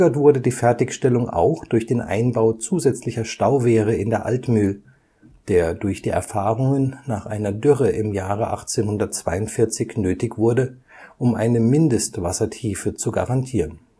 wurde die Fertigstellung auch durch den Einbau zusätzlicher Stauwehre in der Altmühl, der durch die Erfahrungen nach einer Dürre im Jahre 1842 nötig wurde, um eine Mindestwassertiefe zu garantieren